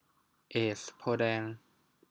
เอซโพธิ์แดง